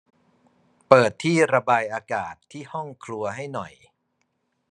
เปิดที่ระบายอากาศที่ห้องครัวให้หน่อย